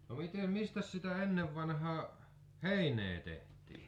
no miten mistäs sitä ennen vanhaan heinää tehtiin